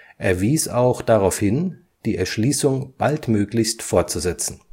Er wies auch darauf hin, die Erschließung baldmöglichst fortzusetzen